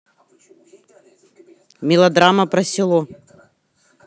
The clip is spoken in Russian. мелодрама про село